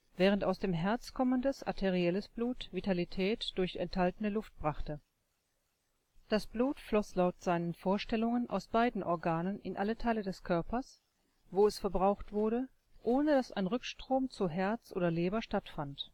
während aus dem Herz kommendes, arterielles Blut Vitalität durch enthaltene Luft brachte. Das Blut floss laut seinen Vorstellungen aus beiden Organen in alle Teile des Körpers, wo es verbraucht wurde, ohne dass ein Rückstrom zu Herz oder Leber stattfand